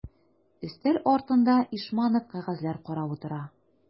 Өстәл артында Ишманов кәгазьләр карап утыра.